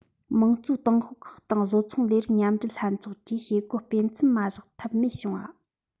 དམངས གཙོའི ཏང ཤོག ཁག དང བཟོ ཚོང ལས རིགས མཉམ འབྲེལ ལྷན ཚོགས ཀྱིས བྱེད སྒོ སྤེལ མཚམས མ བཞག ཐབས མེད བྱུང བ